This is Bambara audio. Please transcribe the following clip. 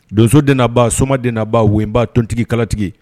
Donso de na ba . Soma den na ba . wenba tulu tigi kala tigi